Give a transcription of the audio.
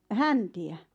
häntiä